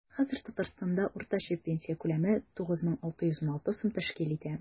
Хәзер Татарстанда уртача пенсия күләме 9616 сум тәшкил итә.